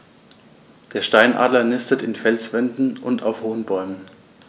Der Steinadler nistet in Felswänden und auf hohen Bäumen.